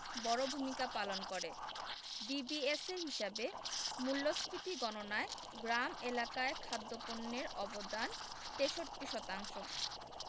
বড় ভূমিকা পালন করে বিবিএসের হিসাবে মূল্যস্ফীতি গণনায় গ্রাম এলাকায় খাদ্যপণ্যের অবদান ৬৩ শতাংশ